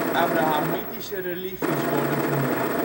Abrahamitische religies ' worden genoemd